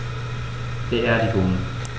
Beerdigung